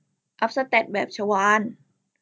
อัพแสตทแบบชวาล